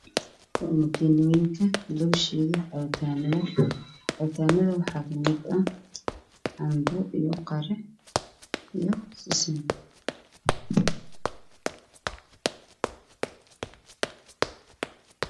Waa sadex koob waxaa ku jira cabitaanno jaalo guduud